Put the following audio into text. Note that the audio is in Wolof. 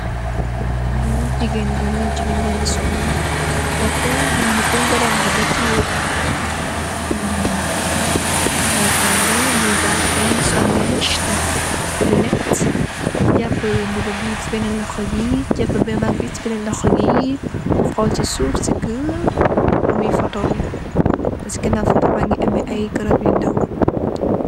Lii jigéen la, jigéen jaa ngi sol roobu ,lu melni grambubu, tiyee kalpeem bi, muuy baage, sol méés, def loneet, jaapu mbuba bi, si beenen loxo bi, jaapu baage bi si bénen loxo bi, mu xool si suuf sëggë të muy foto wu. Të si ganaaww foto baa ngi am ay garab yu ndaw.